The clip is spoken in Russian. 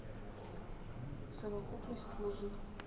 совокупность лжи